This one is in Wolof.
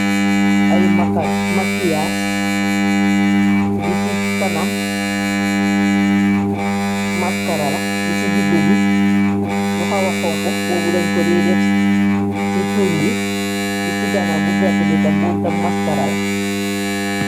Ay makias bi ci kanam maskarala bi ci diggi bi lu xawa xonk boobu dañ ko diy def ci tuuñ bi di ci gana bu verte bitam boobutam maskarala.